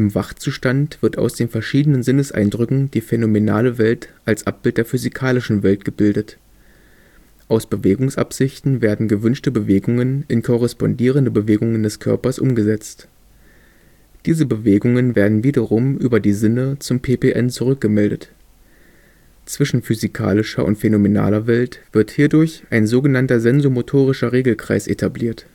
Wachzustand wird aus den verschiedenen Sinneseindrücken die phänomenale Welt als Abbild der physikalischen Welt gebildet. Aus Bewegungsabsichten werden gewünschte Bewegungen in korrespondierende Bewegungen des Körpers umgesetzt. Diese Bewegungen werden wiederum über die Sinne zum PPN zurückgemeldet. Zwischen physikalischer und phänomenaler Welt wird hierdurch ein sogenannter sensomotorischer Regelkreis etabliert